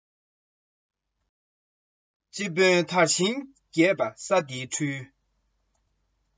ལུང པ དབུལ ན རྒྱལ པོ ལས ཀྱིས དབུལ